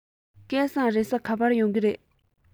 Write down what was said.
སྐལ བཟང རེས གཟའ ག པར ཡོང གི རེད